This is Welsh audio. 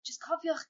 jyst cofiwch